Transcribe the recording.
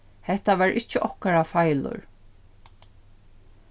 hetta var ikki okkara feilur